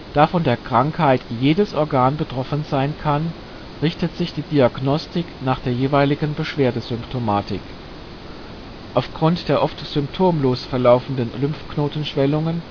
Da von der Krankheit jedes Organ betroffen sein kann, richtet sich die Diagnostik nach der jeweiligen Beschwerdesymptomatik. Aufgrund der oft symptomlos verlaufenden Lymphknotenschwellungen